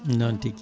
noon tigui